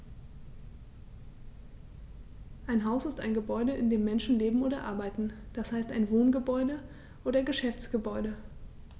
Ein Haus ist ein Gebäude, in dem Menschen leben oder arbeiten, d. h. ein Wohngebäude oder Geschäftsgebäude.